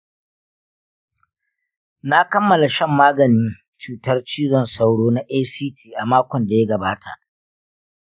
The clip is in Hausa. na kammala shan maganin cutar cizon sauro na act a makon da ya gabata.